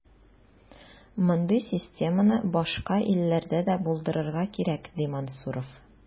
Мондый системаны башка илләрдә дә булдырырга кирәк, ди Мансуров.